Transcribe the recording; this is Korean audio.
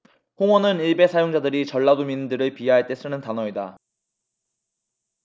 홍어는 일베 사용자들이 전라도민들을 비하할 때 쓰는 단어이다